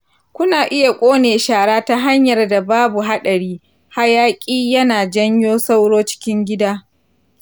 kuna iya ƙone shara ta hanyar da babu haɗari; hayaƙi yana janyo sauro cikin gida.